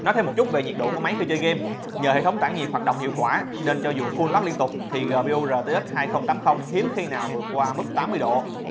nói thêm một chút về nhiệt độ của máy khi chơi game nhớ hệ thống tản nhiệt hoạt động hiệu quả nên cho dù full load liên tục thì gpu rtx hiếm khi nào vượt qua độ c